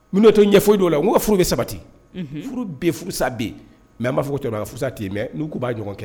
N'o to ɲɛ ɲɛfɔjɔ o la n ka furu bɛ sabati furu bɛ furusa bɛ mɛ an b'a fɔ ka furusa ten yen mɛ n'u'u'a ɲɔgɔn kɛ